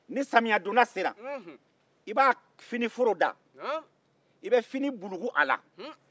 ni samiya don da sera i b'a fini foro da i bɛ fini bulugo a la